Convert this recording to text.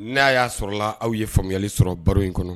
Ne y'a y'a sɔrɔ aw ye faamuyayali sɔrɔ baro in kɔnɔ